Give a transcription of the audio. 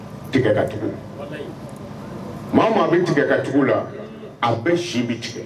Tigɛ kacogo mɔgɔ maa a bɛ tigɛ kacogo la a bɛɛ sin bɛ tigɛ